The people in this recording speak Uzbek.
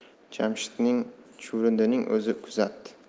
jamshidni chuvrindining o'zi kuzatdi